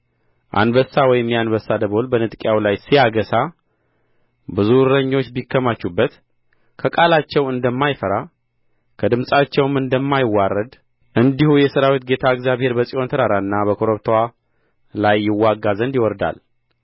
አንበሳ ወይም የአንበሳ ደቦል በንጥቂያው ላይ ሲያገሳ ብዙ እረኞች ቢከማቹበት ከቃላቸው እንደማይፈራ ከድምፃቸውም እንደማይዋረድ እንዲሁ የሠራዊት ጌታ እግዚአብሔር በጽዮን ተራራና በኮረብታዋ ላይ ይዋጋ ዘንድ ይወርዳል